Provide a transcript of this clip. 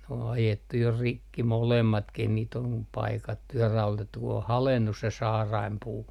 ne on ajettu jo rikki molemmatkin niitä on paikattu ja raudoitettu kun on haljennut se saarainpuu